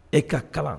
E ka kalan